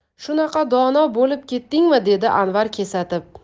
shunaqa dono bo'lib ketdingmi dedi anvar kesatib